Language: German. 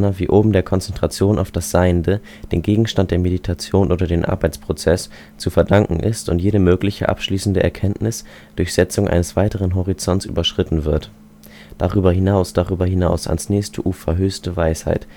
wie oben der Konzentration auf das Seiende (den Gegenstand der Meditation oder den Arbeitsprozess) zu verdanken ist und jede mögliche abschließende Erkenntnis durch Setzung eines weiteren Horizonts überschritten wird („ Darüber hinaus, darüber hinaus, ans nächste Ufer, höchste Weisheit